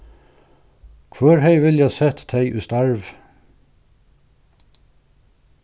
hvør hevði viljað sett tey í starv